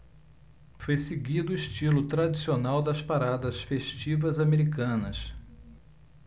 foi seguido o estilo tradicional das paradas festivas americanas